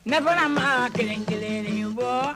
Ne bɔra ma kelen kelenlen bɔ